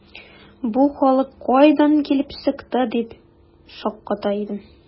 “бу халык кайдан килеп чыкты”, дип мин шакката идем.